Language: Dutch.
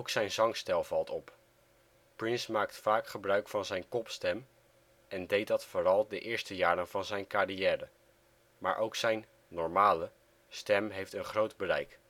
zijn zangstijl valt op: Prince maakt vaak gebruik van zijn kopstem, en deed dat vooral de eerste jaren van zijn carrière, maar ook zijn " normale " stem heeft een groot bereik